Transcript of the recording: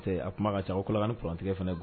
A kuma ka ca ko tilakan niurantigɛkɛ fana gan